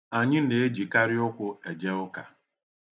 Anyị na-ejikarị ụkwụ eje ụka.